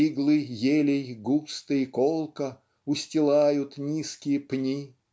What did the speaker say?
Иглы елей густо и колко Устилают низкие пни.